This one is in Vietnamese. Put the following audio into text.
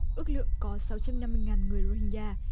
ước lượng có sáu trăm năm mươi ngàn người rô hinh gia